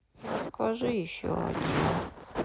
расскажи еще один